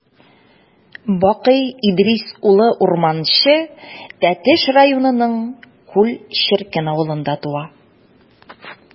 Бакый Идрис улы Урманче Тәтеш районының Күл черкен авылында туа.